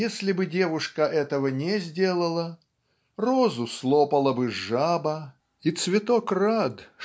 Если бы девушка этого не сделала розу слопала бы жаба и цветок рад